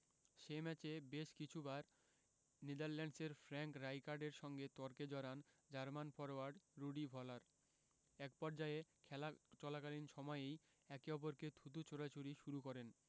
সে ম্যাচে বেশ কিছুবার নেদারল্যান্ডসের ফ্র্যাঙ্ক রাইকার্ডের সঙ্গে তর্কে জড়ান জার্মান ফরোয়ার্ড রুডি ভলার একপর্যায়ে খেলা চলাকালীন সময়েই একে অপরকে থুতু ছোড়াছুড়ি শুরু করেন